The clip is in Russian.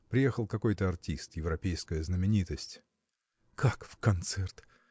Приехал какой-то артист, европейская знаменитость. – Как, в концерт!